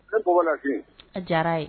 a diyara ye.